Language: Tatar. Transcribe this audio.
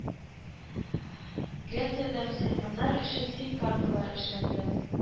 Грециядә мөселманнар өчен СИМ-карталар эшләнде.